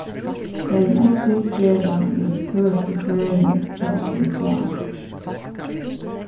dagin eftir gera vit føroysku klæðini hjá okkum klár